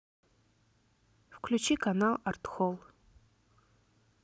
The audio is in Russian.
включи канал арт холл